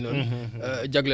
waa yooyu tamit